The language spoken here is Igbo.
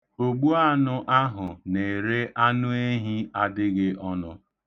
Ogbuanụ ahụ na-ere anụehi adaghị ọnụ.